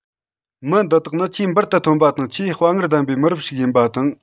མི འདི དག ནི ཆེས འབུར དུ ཐོན པ དང ཆེས དཔའ ངར ལྡན པའི མི རབས ཤིག ཡིན པ དང